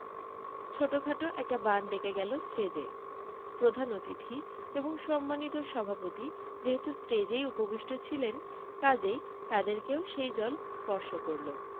ছোটখাট একটা বান ডেকে গেল টেজে প্রধান অতিথি এবং সম্মানিত সভাপতি যেহেতু ষ্টেজেই উপবিষ্ট ছিলেন কাজেই তাদেরকেও সেই জল স্পর্শ করল